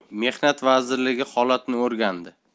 mehnat vazirligi holatni o'rgandi